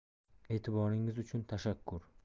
e'tiboringiz uchun tashakkur